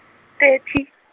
thirty.